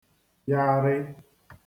yarị